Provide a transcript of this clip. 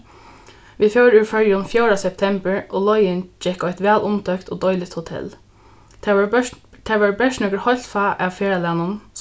vit fóru úr føroyum fjórða septembur og leiðin gekk á eitt væl umtókt og deiligt hotell tað vóru bert tað vóru bert nøkur heilt fá av ferðalagnum